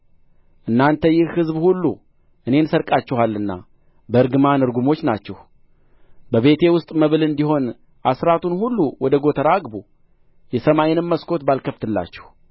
እናንተ ይህ ሕዝብ ሁሉ እኔን ሰርቃችኋልና በእርግማን ርጉሞች ናችሁ በቤቴ ውስጥ መብል እንዲሆን አሥራቱን ሁሉ ወደ ጎተራ አግቡ የሰማይንም መስኮት ባልከፍትላችሁ